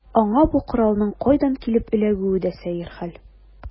Аңа бу коралның кайдан килеп эләгүе дә сәер хәл.